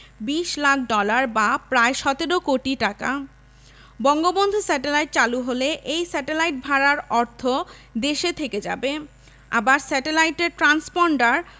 ২০ lakh dollar বা প্রায় ১৭ crore taka Bangabandhu satellite চালু হলে এই স্যাটেলাইট ভাড়ার অর্থ দেশে থেকে যাবে আবার স্যাটেলাইটের ট্রান্সপন্ডার